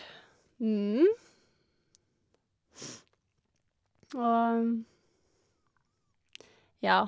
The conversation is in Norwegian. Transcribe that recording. Og, ja.